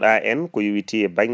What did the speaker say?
mbaɗoya hen 20K